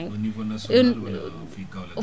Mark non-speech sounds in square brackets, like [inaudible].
au niveau national [hesitation] wala fii Kaolack